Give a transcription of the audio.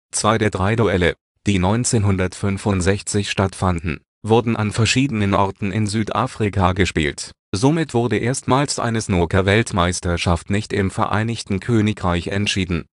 Zwei der drei Duelle, die 1965 stattfanden, wurden an verschiedenen Orten in Südafrika gespielt. Somit wurde erstmals eine Snookerweltmeisterschaft nicht im Vereinigten Königreich entschieden